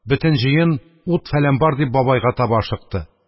Бөтен җыен, ут-фәлән бар дип, бабайга таба ашыкты.